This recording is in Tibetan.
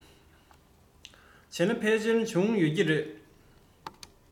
བྱས ན ཕལ ཆེར བྱུང ཡོད ཀྱི རེད